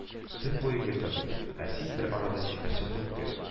Төн буе йокы бирмим. Ә син бер арада сихерче булып кер